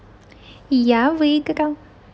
я выиграл